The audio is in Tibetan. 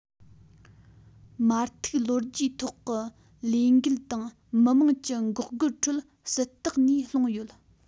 མཐར ཐུག ལོ རྒྱུས ཐོག གི ལས འགུལ དང མི དམངས ཀྱི འགོག རྒོལ ཁྲོད སྲིད སྟེགས ནས ལྷུང ཡོད